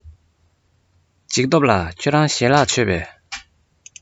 འཇིགས སྟོབས ལགས ཁྱེད རང ཞལ ལག མཆོད པས